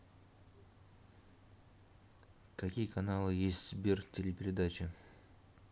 какие каналы есть сбер телепередачи